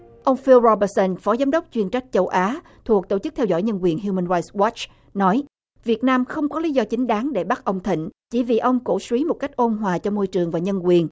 ông phin rô bơ sân phó giám đốc chuyên trách châu á thuộc tổ chức theo dõi nhân quyền hu mân roai oắt nói việt nam không có lý do chính đáng để bắt ông thịnh chỉ vì ông cổ súy một cách ôn hòa cho môi trường và nhân quyền